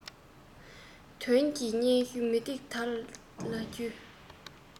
དོན གྱི སྙན ཞུ མུ ཏིག དར ལ བརྒྱུས